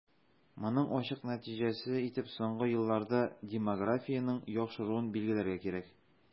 Моның ачык нәтиҗәсе итеп соңгы елларда демографиянең яхшыруын билгеләргә кирәк.